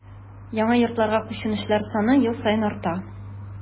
Яңа йортларга күченүчеләр саны ел саен арта.